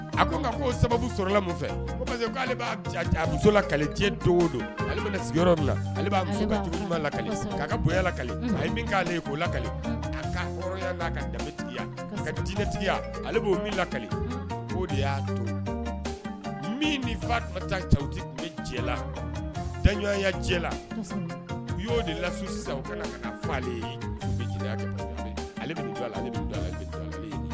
A ko ko sababu sɔrɔla fɛ koale'a muso lale do don ale sigiyɔrɔ la musoka ka bɔka a ye min k'ale ale k'o laka a kaya'a kaya diinɛtigiya ale'o min lakali o de y'a min min fa cɛw tun bɛ la daɲɔgɔnya cɛ la u y'o de lafin sisan o ale